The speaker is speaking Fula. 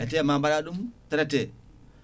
ete ma mbaɗa ɗum traité